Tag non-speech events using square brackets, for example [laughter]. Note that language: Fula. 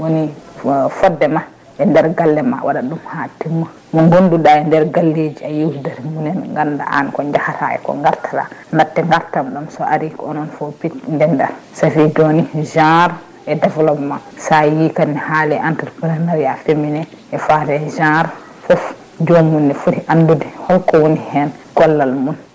woni foddema e nder galle ma a waɗat ɗum ha timma mo gonduɗa e nder galleji a yewtidat e mumen ganda an ko jahata eko gartata dakhte gartam ɗam so ari ko onoon foof dendata ça fait joni genre et développement sa yi kadi ne haale entreprenariat féminin e fate genre [hesitation] joomum ne foti andude holko woni hen gollal mum